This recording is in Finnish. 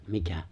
mikä